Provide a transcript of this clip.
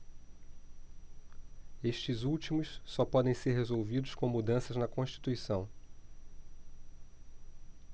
estes últimos só podem ser resolvidos com mudanças na constituição